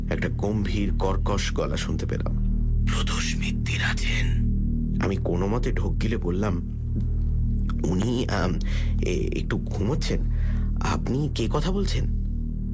একটা গম্ভীর কর্কশ গলা শুনতে পেলাম প্রদোষ মিত্তির আছেন আমি কোনওমতে ঢোক গিলে বললাম উনি একটু ঘুমোচ্ছেন আপনি কে কথা বলছেন